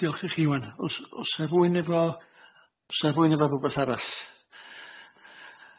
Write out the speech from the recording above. Diolch i chi Iwan. O's o's na fwyn efo o's na fwyn efo rwbath arall?